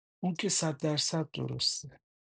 اون که صد در صد درسته